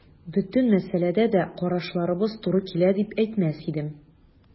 Бөтен мәсьәләдә дә карашларыбыз туры килә дип әйтмәс идем.